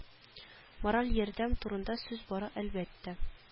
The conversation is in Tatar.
Мораль ярдәм турында сүз бара әлбәттә